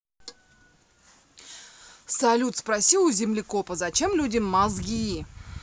салют спроси у землекопа зачем людям мозги